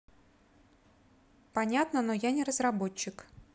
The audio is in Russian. понятно но я не разработчик